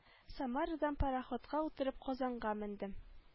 Самарадан пароходка утырып казанга мендем